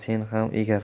seni ham egar